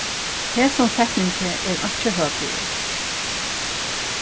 hesum setningi er einki høpi í